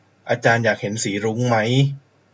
อาจารย์อยากเห็นสีรุ้งมั้ย